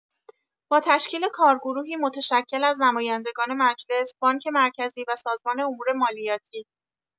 با تشکیل کارگروهی متشکل از نمایندگان مجلس، بانک مرکزی و سازمان امورمالیاتی